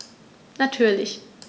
Natürlich.